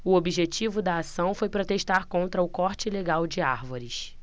o objetivo da ação foi protestar contra o corte ilegal de árvores